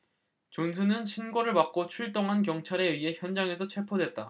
존슨은 신고를 받고 출동한 경찰에 의해 현장에서 체포됐다